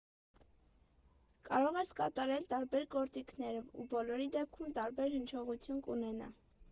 Կարող ես կատարել տարբեր գործիքներով, ու բոլորի դեպքում տարբեր հնչողություն կունենա։